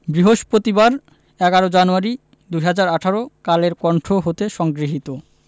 বৃহস্পতিবার ১১ জানুয়ারি ২০১৮ কালের কন্ঠ হতে সংগৃহীত